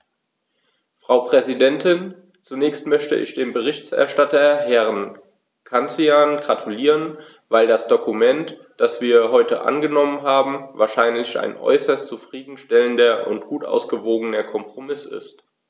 Frau Präsidentin, zunächst möchte ich dem Berichterstatter Herrn Cancian gratulieren, weil das Dokument, das wir heute angenommen haben, wahrlich ein äußerst zufrieden stellender und gut ausgewogener Kompromiss ist.